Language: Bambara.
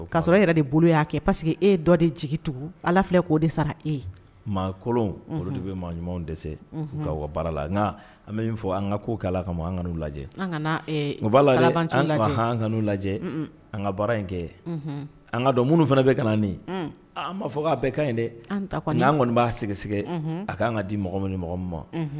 Ka sɔrɔ e yɛrɛ de bolo y'a kɛ paseke que e dɔ de jigi tugu ala filɛ ko'o de sara e maakolon olu de bɛ maa ɲumanw dɛsɛ ka ka baara la n an bɛ min fɔ an ka ko k'a la kaan lajɛ ananu lajɛ an ka baara in kɛ an ka don minnu fana bɛ ka nin an ma fɔ k'a bɛɛ ka ɲi dɛ an kɔni b'a sigisɛ a ka anan ka di mɔgɔ minnumɔgɔ ma